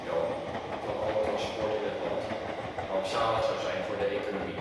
dan, van al het transport in het land, rampzalig zou zijn voor de economie.